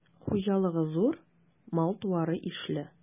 Хуҗалыгы зур, мал-туары ишле.